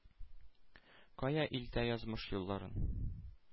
Кая илтә язмыш юлларын,